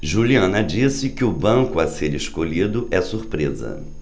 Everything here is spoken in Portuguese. juliana disse que o banco a ser escolhido é surpresa